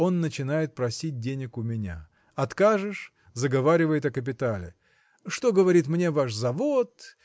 он начинает просить денег у меня – откажешь заговаривает о капитале. Что, говорит, мне ваш завод?